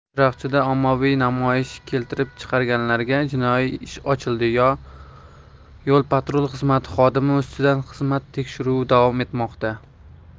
chiroqchida ommaviy namoyish keltirib chiqarganlarga jinoyat ishi ochildi yo patrul xizmati xodimi ustidan xizmat tekshiruvi davom etmoqda